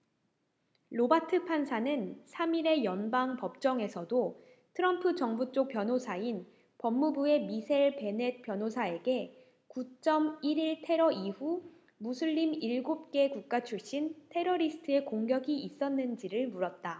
로바트 판사는 삼 일의 연방법정에서도 트럼프 정부쪽 변호사인 법무부의 미셀 베넷 변호사에게 구 쩜 일 일 테러 이후 무슬림 일곱 개국가 출신 테러리스트의 공격이 있었는지를 물었다